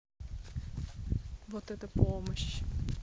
вот это помощь